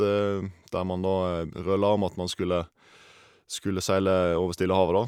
Der man da rølla om at man skulle skulle seile over Stillehavet, da.